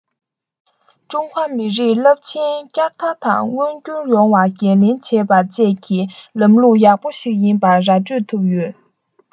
ཀྲུང ཧྭ མི རིགས རླབས ཆེན བསྐྱར དར མངོན འགྱུར ཡོང བ འགན ལེན བྱེད པ བཅས ཀྱི ལམ ལུགས ཡག པོ ཞིག ཡིན པ ར སྤྲོད ཐུབ ཡོད